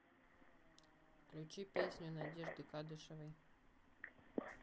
включи песню надежды кадышевой